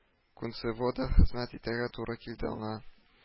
Кунцевода хезмәт итәргә туры килде аңа